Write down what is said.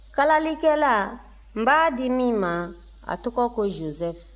kalalikɛla n b'a di min ma a tɔgɔ ko joseph